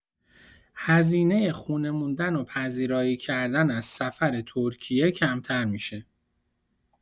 هزینه خونه موندن و پذیرایی کردن از سفر ترکیه کمتر می‌شه!